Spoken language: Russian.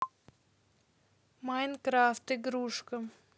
майнкрафт игрушка